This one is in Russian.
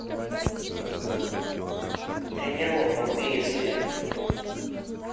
тренировка убей жир